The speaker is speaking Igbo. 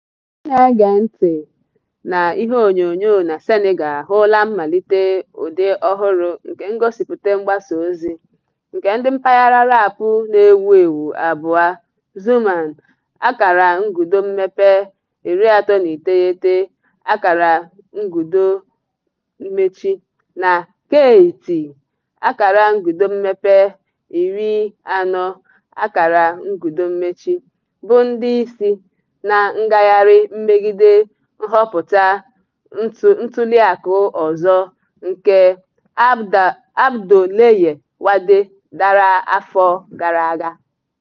Ndị na-ege ntị na TV na Senegal ahụla mmalite ụdị ọhụrụ nke ngosịpụta mgbasaozi, nke ndị mpaghara raapụ na-ewu ewu abụọ Xuman (39) na Keyti (40) bụ ndị isi na ngagharị mmegide nhọpụta ntuliaka ọzọ nke Abdoulaye Wade dara afọ gara aga.